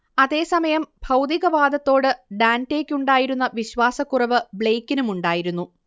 അതേസമയം ഭൗതികവാദത്തോട് ഡാന്റേക്കുണ്ടായിരുന്ന വിശ്വാസക്കുറവ് ബ്ലെയ്ക്കിനുമുണ്ടായിരുന്നു